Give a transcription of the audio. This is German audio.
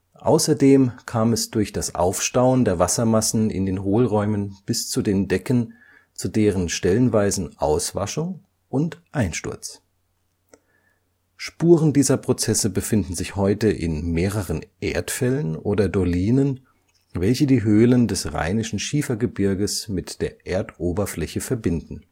Außerdem kam es durch das Aufstauen der Wassermassen in den Hohlräumen bis zu den Decken zu deren stellenweisen Auswaschung und Einsturz. Spuren dieser Prozesse befinden sich heute in mehreren Erdfällen oder Dolinen, welche die Höhlen des Rheinischen Schiefergebirges mit der Erdoberfläche verbinden